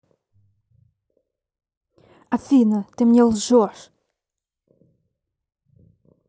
афина ты мне лжешь